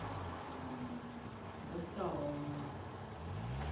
достала у меня